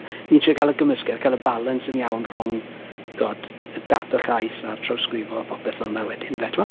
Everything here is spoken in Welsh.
Ni'n trio cael y gymysgedd, cael y balans yn iawn rhwng tibod data llais a'r trawsgrifo a popeth fel 'na wedyn ife timod.